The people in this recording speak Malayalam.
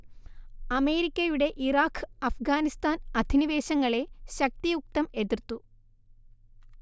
അമേരിക്കയുടെ ഇറാഖ് അഫ്ഗാനിസ്താൻ അധിനിവേശങ്ങളെ ശക്തിയുക്തം എതിർത്തു